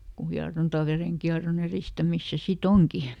kun hieronta verenkierron edistämistä se sitten onkin